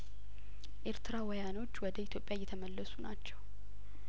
ኤርትራውያኖች ወደ ኢትዮጵያእየተመለሱ ናቸው